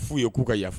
F'u ye k'u ka yafa